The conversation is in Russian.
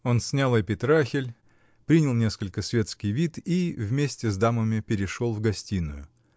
он снял епитрахиль, принял несколько светский вид и вместе с дамами перешел в гостиную.